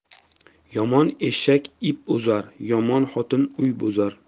yomon eshak ip uzar yomon xotin uy buzar